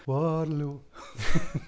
Waterloo !